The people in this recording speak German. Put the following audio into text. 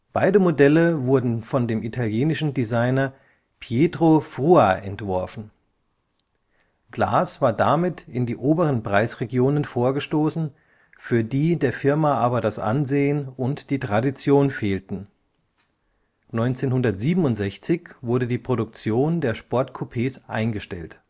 Beide Modelle wurden von dem italienischen Designer Pietro Frua entworfen. Glas war damit in die oberen Preisregionen vorgestoßen, für die der Firma aber das Ansehen und die Tradition fehlten. 1967 wurde die Produktion der Sportcoupés eingestellt